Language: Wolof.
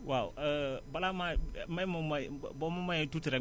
waaw balaa maa may ma ma boo ma mayee tuuti rek